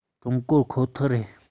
ཀྲུང གོར ཁོ ཐག རེད